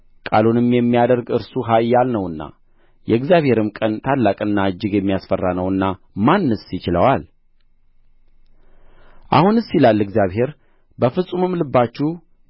ቃሉንም የሚያደርግ እርሱ ኃያል ነውና የእግዚአብሔርም ቀን ታላቅና እጅግ የሚያስፈራ ነውና ማንስ ይችለዋል አሁንስ ይላል እግዚአብሔር በፍጹም ልባችሁ